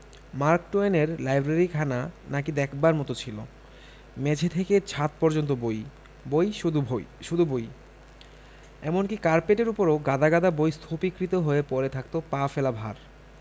mark টুয়েনের লাইব্রেরিখানা নাকি দেখবার মত ছিল মেঝে থেকে ছাত পর্যন্ত বই বই শুধু বই এমনকি কার্পেটের উপরও গাদা গাদা বই স্তূপীকৃত হয়ে পড়ে থাকত পা ফেলা ভার